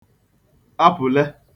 apụ̀le